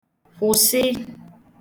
kwụ̀sị